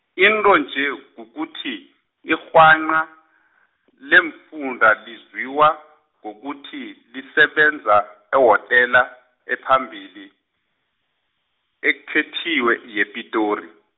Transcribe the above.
into nje kukuthi, irhwanqa, leemfunda lizwiwa, ngokuthi, lisebenza, ehotela, ephambili, ekuthiwa yePitori.